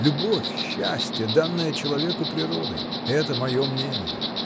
Любовь — счастье, данное человеку природой. Это мое мнение.